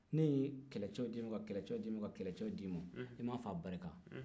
ne ye kɛlɛcɛw d'i ma ka kɛlɛcɛw d'i ma ka kɛlɛcɛw d'i ma i ma fɔ a barika